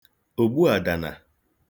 ògbuàdànà